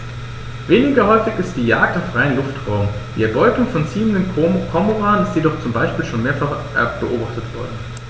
Weniger häufig ist die Jagd im freien Luftraum; die Erbeutung von ziehenden Kormoranen ist jedoch zum Beispiel schon mehrfach beobachtet worden.